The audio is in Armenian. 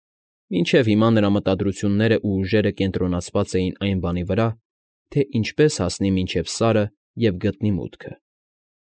Մինչև հիմա նրա մտադրություններն ու ուժերը կենտրոնացված էին այն բանի վրա, թե ինչպես հասնի մինչև Սարը և գտնի մուտքը։